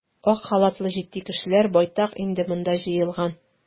Ак халатлы җитди кешеләр байтак инде монда җыелган.